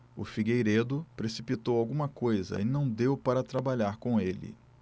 o figueiredo precipitou alguma coisa e não deu para trabalhar com ele